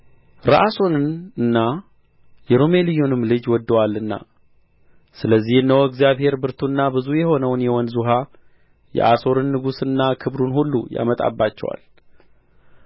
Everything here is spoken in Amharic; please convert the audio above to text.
ረአሶንንና የሮሜልዩንም ልጅ ወዶአልና ስለዚህ እነሆ እግዚአብሔር ብርቱና ብዙ የሆነውን የወንዝ ውኃ የአሦርን ንጉሥና ክብሩን ሁሉ ያመጣባቸዋል